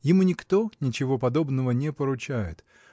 Ему никто ничего подобного не поручает